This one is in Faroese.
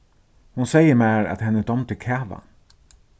hon segði mær at henni dámdi kava